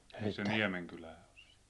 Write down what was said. ei se Niemenkylää ole se